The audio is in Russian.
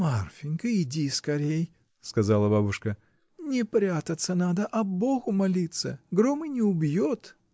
— Марфинька, иди скорей, — сказала бабушка, — не прятаться надо, а Богу молиться, гром и не убьет!